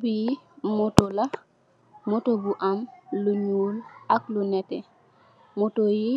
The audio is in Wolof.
Bi moto la, Moto bu am lu ñuul ak lu nètè. Moto yi